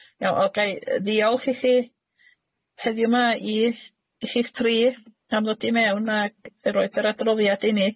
Iawn, wel ga i y- ddiolch i chi heddiw 'ma, i i chi'ch tri, am ddod i mewn ag roid yr adroddiad i ni.